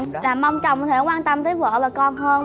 là mong chồng có thể quan tâm tới vợ và con hơn